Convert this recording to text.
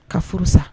Ka furu sa